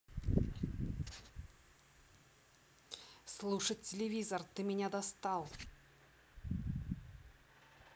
слушать телевизор ты меня достал